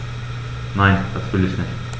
Nein, das will ich nicht.